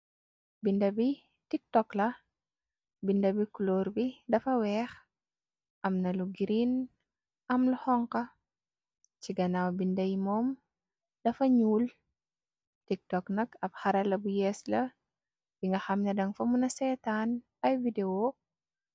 Binda bi tik tok la, binda bi culoor bi dafa weex am na lu giriin am lu xonxa. Ci ganaaw binda yi, mom dafa ñuul. Tiktok nak, ab xarala bu yees la, bi nga xam ne daŋ faa muna seetaan ay wideo.